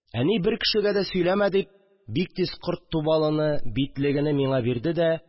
Әни, бер кешегә дә сөйләмә дип, бик тиз корт тубалыны, битлегене миңа бирде дә